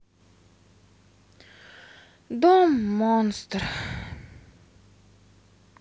дом монстр